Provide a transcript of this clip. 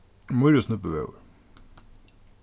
mýrisnípuvegur